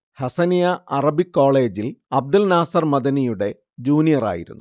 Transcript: Hasaniya Arabic കോളേജിൽ അബ്ദുന്നാസിർ മദനിയുടെ ജൂനിയറായിരുന്നു